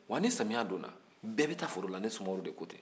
wa ni samiya donna bɛɛ bɛ taa fɔrɔ la ne sumaworo de ko ten